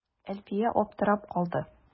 Әлфия аптырап калды.